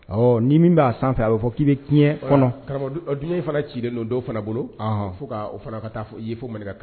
Awɔ ni min ba sanfɛ fɛ a bi fɔ ki bi tiɲɛ kɔnɔ. Karamɔgɔ a dumuni fana cilen don dɔw fana bolo fo ka o fana ka taa fɔ i ye